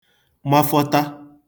mafọta